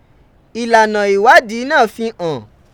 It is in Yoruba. Ìlànà ìwádìí náà fi hàn.